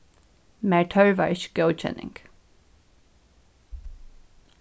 mær tørvar ikki góðkenning